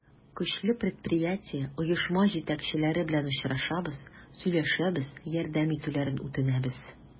Көчле предприятие, оешма җитәкчеләре белән очрашабыз, сөйләшәбез, ярдәм итүләрен үтенәбез.